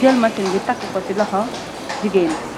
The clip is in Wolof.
jël masin bi takk ko ci loxo jigéen bi.